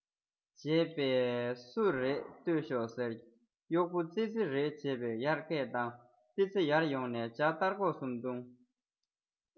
བྱས པས སུ རེད ལྟོས ཤོག ཟེར གཡོག པོ ཙི ཙི རེད བྱས པས ཡར སྐད བཏང ཙི ཙི ཡར ཡོང ནས ཇ སྟར ཁོག གསུམ བཏུང